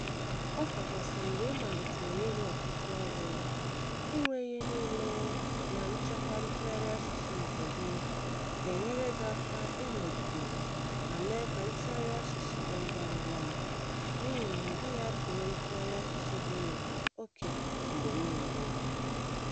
Ọkachasị mgbe ị malitere ịrụ ọtụtụ ọrụ, inwe ihe niile na nchekwa ntụgharị asụsụ nke gị ga-enyere gị aka ịnọgide ma mee ka ntụgharị asụsụ dị ngwangwa, n'ihina ị gaghị apịnye ntụgharị asụsụ gị maka "OK" mgbe niile.